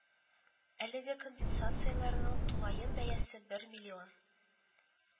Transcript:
Әлеге компенсацияләрнең тулаем бәясе бер миллион